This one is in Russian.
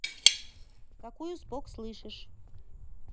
какую спок слышишь